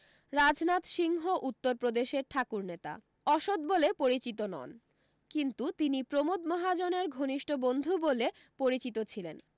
রাজনাথ সিংহ উত্তরপ্রদেশের ঠাকুর নেতা অসত বলে পরিচিত নন কিন্তু তিনি প্রমোদ মহাজনের ঘনিষ্ঠ বন্ধু বলে পরিচিত ছিলেন